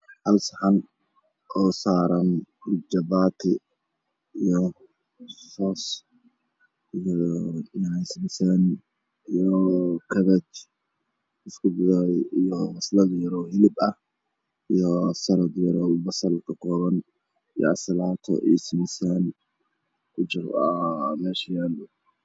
Hal saxan oo saaran jabaati basal moofo marad shah ayaan beeshan yaalla